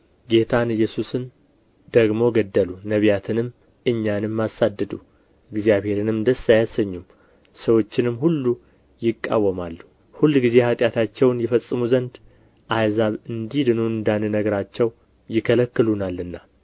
ጌታን ኢየሱስን ደግሞ ገደሉ ነቢያትንም እኛንም አሳደዱ እግዚአብሔርንም ደስ አያሰኙም ሰዎችንም ሁሉ ይቃወማሉ ሁልጊዜ ኃጢአታቸውን ይፈጽሙ ዘንድ አሕዛብ እንዲድኑ እንዳንናገራቸው ይከለክሉናልና